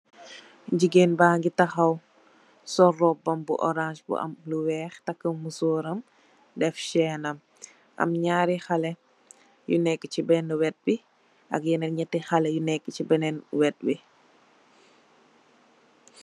Gigeen bangi taxaw sol róbbam bu orans bu am lu wèèx, takka mesor ram def cèèn nam. Am ñaari xalèh yu nekka ci benna wet bi ak yenen ñetti xalèh yu nekka ci benen wet bi.